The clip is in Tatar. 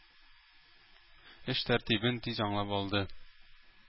Эш тәртибен тиз аңлап алды.